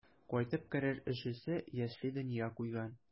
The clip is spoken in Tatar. Кайтып керер өчесе яшьли дөнья куйган.